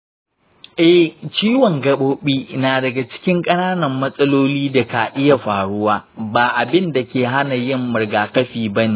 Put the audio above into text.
eh, ciwon gabobi na daga cikin ƙananan matsalolin da ka iya faruwa. ba abin da ke hana yin rigakafi ba ne.